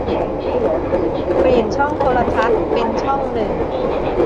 เปลี่ยนช่องโทรทัศน์เป็นช่องหนึ่ง